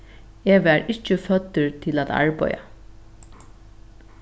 eg varð ikki føddur til at arbeiða